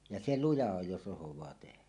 ja se luja on jos osataan tehdä